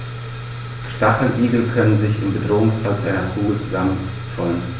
Stacheligel können sich im Bedrohungsfall zu einer Kugel zusammenrollen.